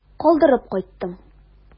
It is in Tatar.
Калдырып кайттым.